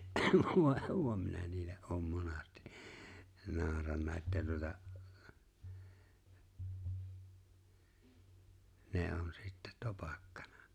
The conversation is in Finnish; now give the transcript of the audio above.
voi minä niille olen monasti nauranut että tuota ne on sitten topakkana